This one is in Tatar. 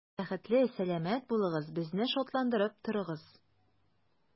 Бәхетле, сәламәт булыгыз, безне шатландырып торыгыз.